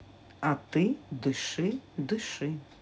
а ты дыши дыши